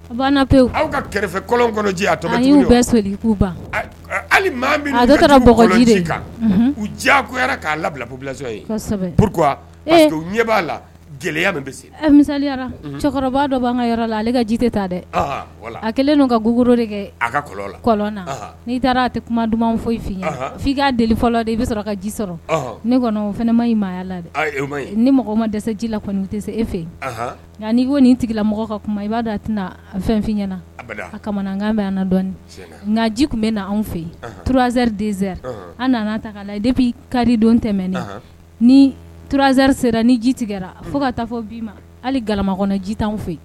A banna pewu aw ka kɛrɛfɛlɔn bɛɛ so k' ban u'a labilabu ɲɛ b'a misa cɛkɔrɔba dɔ b' ka yɔrɔ la ale ka ji tɛ ta dɛ a kɛlen' ka ggoro de kɛ a kalɔn kɔlɔn n'i taara a tɛ kuma dumanuma fɔ' ka deli fɔlɔ i bɛ sɔrɔ ka ji sɔrɔ ne o nema maaya la dɛ ni mɔgɔ ma dɛsɛ ji la tɛ se e fɛ nka ni ko nin tigila ka kuma i b'a a tɛna fɛnfin ɲɛnaɲɛna kamanakan bɛ dɔn nka ji tun bɛ na anw fɛ yen turazɛri dezri an nana ta' la de bɛ kari don tɛm ni turazɛeri sera ni ji tigɛ fo ka taa fɔ bi ma hali gamakɔnɔ ji t fɛ